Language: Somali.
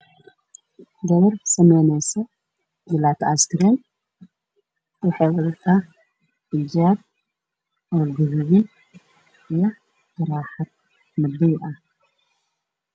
Meeshaan maxaa yeelo islaan karaan gacan ku shubeyso laantahay qabtaa jaakad gudub ah waxaana horyaalo ka reebo badan